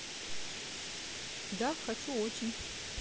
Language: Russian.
да хочу очень